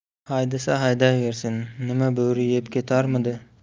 haydasa haydayversin nima bo'ri yeb ketarmidi